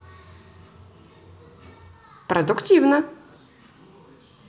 продуктивно